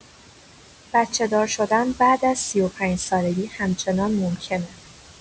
بچه‌دار شدن بعد از ۳۵ سالگی همچنان ممکنه!